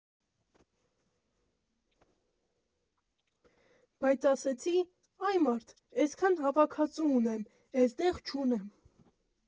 Բայց ասեցի՝ այ մարդ, էնքան հավաքածու ունեմ, էլ տեղ չունեմ։